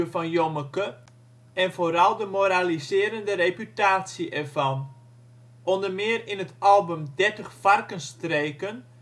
van Jommeke en vooral de moraliserende reputatie ervan. Onder meer in het album " Dertig varkensstreken